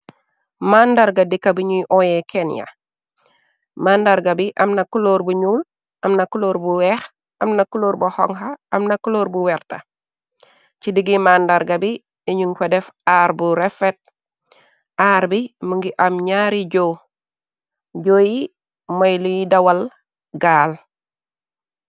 Màndarga dika bi ñuy oye Kenya, màndarga bi amna kulor bu ñuul, amna kuloor bu weex, amna kulor bu xonxa, amna kulor bu werta, ci diggi màndarga bi, ñun ko def aar bu refet, aar bi mu ngi am ñaari joo, joo yi mooy luy dawal gaal.